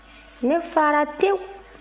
ne fara tewu